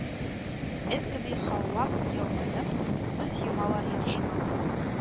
Эт кеби һаулап ялманып, күз йомалар яхшыма